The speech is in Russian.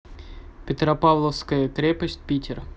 петропавловская крепость питер